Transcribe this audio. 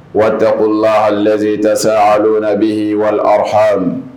Waati o la lajɛe tɛsa ale bi wali haaame